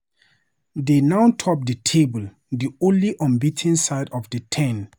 They now top the table, the only unbeaten side of the ten.